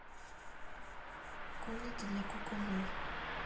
комната для кукол лол